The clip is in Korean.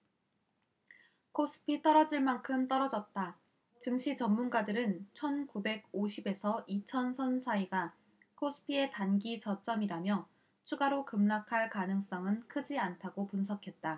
코스피 떨어질 만큼 떨어졌다증시 전문가들은 천 구백 오십 에서 이천 선 사이가 코스피의 단기 저점이라며 추가로 급락할 가능성은 크지 않다고 분석했다